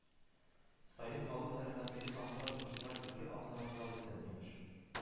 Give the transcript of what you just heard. Саен халык сәламәтлеге сагында торучылар ике атналап ял итсен, имеш